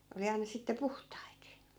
oli aina sitten puhtaita